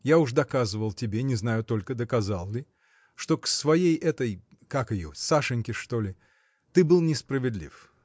Я уж доказывал тебе, не знаю только, доказал ли, что к своей этой. как ее? Сашеньке, что ли? ты был несправедлив.